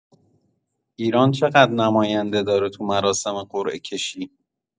ایران چه‌قدر نماینده داره تو مراسم قرعه‌کشی